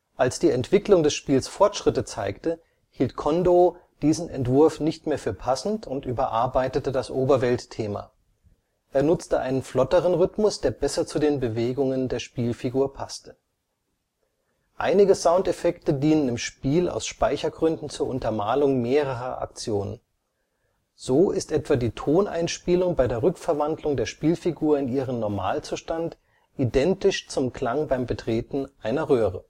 Als die Entwicklung des Spiels Fortschritte zeigte, hielt Kondō diesen Entwurf nicht mehr für passend und überarbeitete das Oberwelt-Thema. Er nutzte einen flotteren Rhythmus, der besser zu den Bewegungen der Spielfigur passte. Einige Soundeffekte dienen im Spiel aus Speichergründen zur Untermalung mehrerer Aktionen. So ist etwa die Toneinspielung bei der Rückverwandlung der Spielfigur in ihren Normalzustand identisch zum Klang beim Betreten einer Röhre